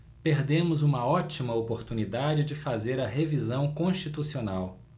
perdemos uma ótima oportunidade de fazer a revisão constitucional